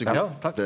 ja takk.